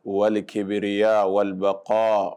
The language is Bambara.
Wali kebriya wali kɔ